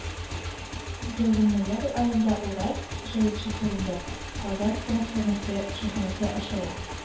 Елның ноябрь аенда уральск (җаек) шәһәрендә «казан» кунакханәсе (чәйханәсе) ачыла